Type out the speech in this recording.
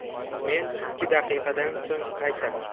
men ikki daqiqadan so'ng qaytaman